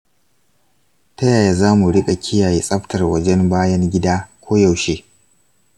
ta yaya za mu riƙa kiyaye tsaftar wajen bayan gida koyaushe?